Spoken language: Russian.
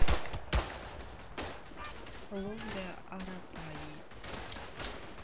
ловля арапайи